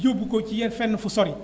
yóbbu ko ci yen fenn fu sori